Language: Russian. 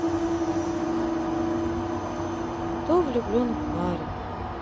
кто влюблен в варю